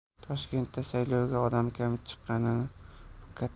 toshkentda saylovga odam kam chiqqanini bu